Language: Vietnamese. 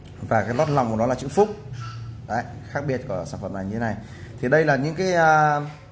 cái lót lòng của nó là chữ phúc khác biệt của sản phẩm này là như này đây là những